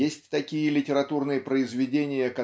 Есть такие литературные произведения